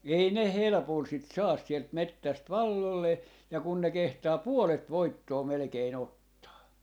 ei ne helpolla sitä saa sieltä metsästä valloilleen ja kun ne kehtaa puolet voittoa melkein ottaa